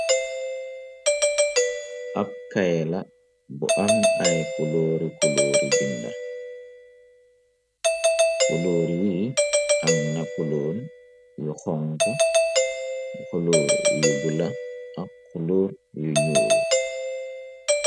Ab kayela bu am ay kuloori kuloori binda kuluur yi am na kuloor yu xonku xuloor yu bula ak xulóor yu ñyuul.